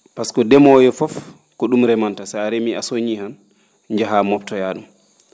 pasque demoowo fof ko ?um remanta so a remii a soñii han njahaa moftoyaa ?um